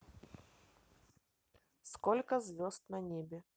сколько звезд на небе